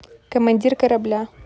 командир корабля